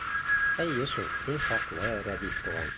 Әйе шул, син хаклы, Рәдиф туган!